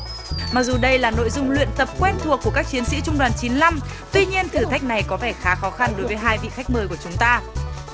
mặc dù đây là nội dung luyện tập quen thuộc của các chiến sĩ trung đoàn chín lăm tuy nhiên thử thách này có vẻ khá khó khăn đối với hai vị khách mời của chúng ta